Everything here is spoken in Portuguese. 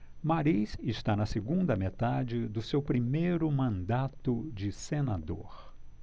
mariz está na segunda metade do seu primeiro mandato de senador